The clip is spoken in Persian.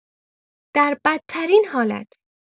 در بدترین حالت